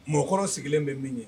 Mɔgɔkɔrɔ sigilen bɛ min ye